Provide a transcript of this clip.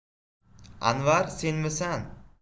anvar senmisan